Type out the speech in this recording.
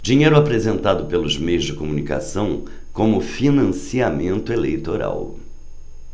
dinheiro apresentado pelos meios de comunicação como financiamento eleitoral